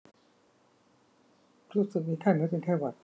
รู้สึกมีไข้เหมือนเป็นไข้หวัด